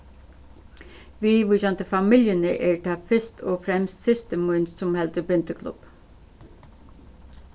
viðvíkjandi familjuni er tað fyrst og fremst systir mín sum heldur bindiklubb